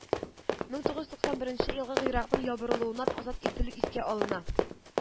Мең тугыз туксан беренче елгы гыйракның ябырылуыннан азат ителү искә алына